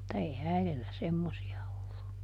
mutta ei äidille semmoisia ollut